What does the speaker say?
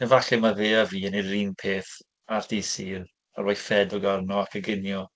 Efallai mae fe a fi yn yr un peth ar dydd Sul, yn rhoi ffedog arno a coginio.